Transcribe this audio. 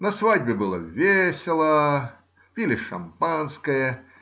На свадьбе было весело. Пили шампанское.